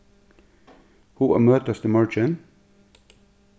hug at møtast í morgin